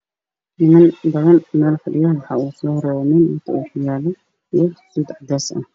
Waa niman badan oo meel fadhiyo waxaa ugu soo horeeyo nin wato ookiyaalo iyo seddex dasac.